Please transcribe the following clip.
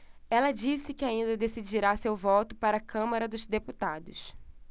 ela disse que ainda decidirá seu voto para a câmara dos deputados